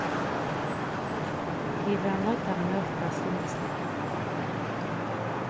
vit verða noydd at møta stundisliga